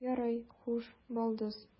Ярый, хуш, балдыз.